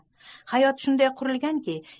hayot shunday qurilganki